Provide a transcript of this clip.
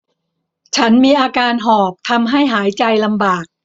ฉันมีอาการหอบทำให้หายใจลำบาก